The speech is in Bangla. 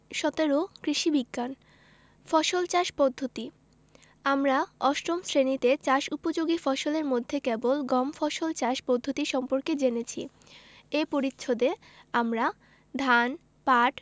১৭ কৃষি বিজ্ঞান ফসল চাষ পদ্ধতি আমরা অষ্টম শ্রেণিতে চাষ উপযোগী ফসলের মধ্যে কেবল গম ফসল চাষ পদ্ধতি সম্পর্কে জেনেছি এ পরিচ্ছেদে আমরা ধান পাট